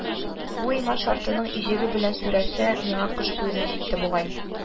Бу "Иман шарт"ының иҗеге белән сүрәсе миңа кыш буена җитте бугай